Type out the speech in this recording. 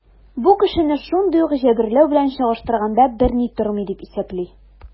Бу кешене шундый ук җәберләү белән чагыштырганда берни тормый, дип исәпли.